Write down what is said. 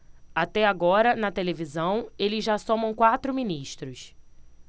até agora na televisão eles já somam quatro ministros